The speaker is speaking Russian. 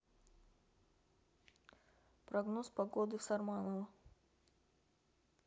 прогноз погоды в сарманово